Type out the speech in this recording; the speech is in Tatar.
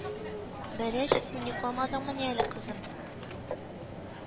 Бәрәч, син йокламадыңмыни әле, кызым